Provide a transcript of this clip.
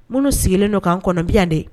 Minnu sigilen don k'an kɔnɔbi de